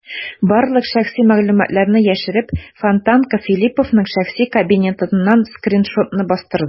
Барлык шәхси мәгълүматларны яшереп, "Фонтанка" Филипповның шәхси кабинетыннан скриншотны бастырды.